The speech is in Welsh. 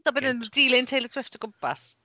So bod yn dilyn Taylor Swift o gwmpas?